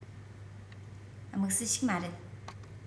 དམིགས བསལ ཞིག མ རེད